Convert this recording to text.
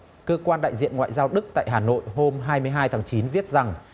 cơ quan đại diện ngoại giao đức tại hà nội hôm hai mươi hai tháng chín viết rằng